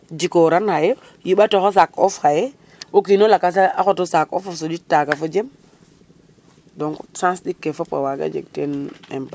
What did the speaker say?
jiko ran xaye yimbatox o saak of xaye wuk tin lakas a xoto sac of a soɗit taga fojem donc sens ɗik ke fop a waga jeg teen impact